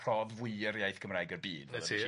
Rhodd fwya'r iaith Gymraeg i'r byd. 'Na ti.